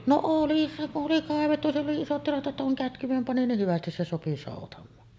no oli oli kaivettu siellä oli isot tilat että kun kätkyen pani niin hyvästi se sopi soutamaan